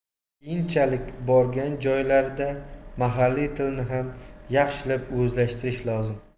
keyinchalik borgan joylarida mahalliy tilni ham yaxshilab o'zlashtirish lozim